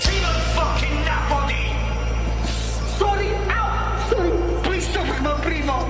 Ti'm yn ffyckin nabod i! Sori aw sori. Please don't ma' mae'n brifo.